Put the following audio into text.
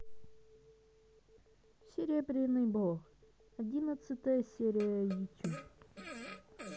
серебряный бор одиннадцатая серия ютуб